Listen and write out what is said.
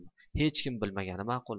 hech kim bilmagani ma'qulmi